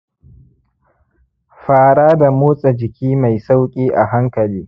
fara da motsa-jiki mai sauƙi a hankali